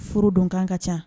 Furu don kan ka ca